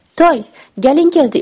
toy galing keldi